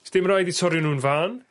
Ddim raid 'u torri nw'n fân.